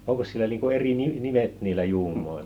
onkos sillä niin kuin eri - nimet niillä juumoilla